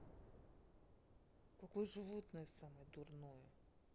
какое животное самое дурное